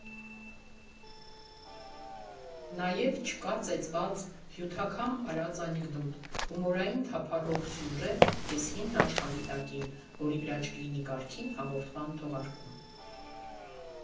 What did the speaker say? Նաև՝ չկա ծեծված, հյութաքամ արած անեկդոտ, հումորային թափառող սյուժե էս հին աշխարհի տակին, որի վրա չլինի կարգին հաղորդման թողարկում։